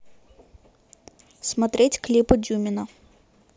смотреть клипы дюмина